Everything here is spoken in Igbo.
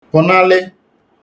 pụ̀nalị